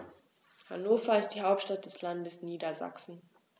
Hannover ist die Hauptstadt des Landes Niedersachsen.